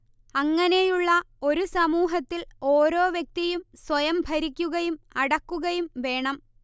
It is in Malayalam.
അങ്ങനെയുള്ള ഒരു സമുഹത്തിൽ ഒരോ വ്യക്തിയും സ്വയം ഭരിക്കുകയും അടക്കുകയും വേണം